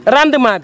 rendement bi